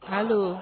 Kalo